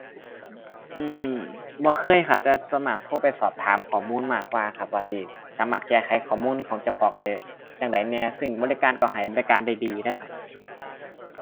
อือ บ่เคยครับแต่ส่วนมากโทรไปสอบถามข้อมูลมากกว่าครับ ว่าสิสามารถแก้ไขข้อมูลของเจ้าของได้จั่งใดแหน่ซึ่งบริการก็ให้บริการได้ดีเดะครับ